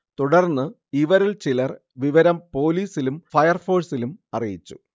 തുടർന്ന് ഇവരിൽ ചിലർ വിവരം പൊലീസിലും ഫയർഫോഴ്സിലും അറിയിച്ചു